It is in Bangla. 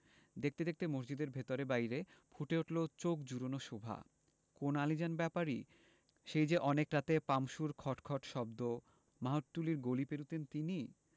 দেখতে দেখতে মসজিদের ভেতরে বাইরে ফুটে উঠলো চোখ জুড়োনো শোভা কোন আলীজান ব্যাপারী সেই যে অনেক রাতে পাম্পসুর খট খট শব্দ মাহুতটুলির গলি পেরুতেন তিনি